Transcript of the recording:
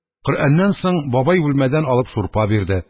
Коръәннән соң бабай бүлмәдән алып шурпа бирде.